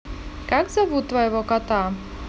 как зовут твоего кота